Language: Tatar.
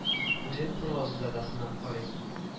Үзен прозада да сынап карый